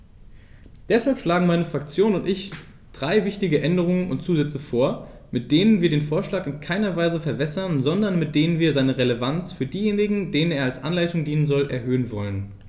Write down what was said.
Deshalb schlagen meine Fraktion und ich drei wichtige Änderungen und Zusätze vor, mit denen wir den Vorschlag in keiner Weise verwässern, sondern mit denen wir seine Relevanz für diejenigen, denen er als Anleitung dienen soll, erhöhen wollen.